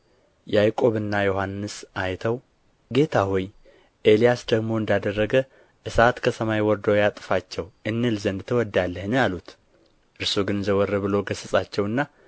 ያዕቆብና ዮሐንስ አይተው ጌታ ሆይ ኤልያስ ደግሞ እንዳደረገ እሳት ከሰማይ ወርዶ ያጥፋቸው እንል ዘንድ ትወዳለህን አሉት እርሱ ግን ዘወር ብሎ ገሠጻቸውና